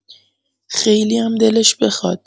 خیلیم دلش بخواد.